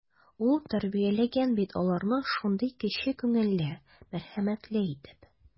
Ул тәрбияләгән бит аларны шундый кече күңелле, мәрхәмәтле итеп.